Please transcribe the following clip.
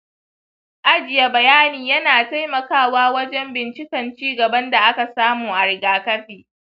ajiye bayanai yana taimakawa wajen bincikan cigaban da aka samu a rigakafi.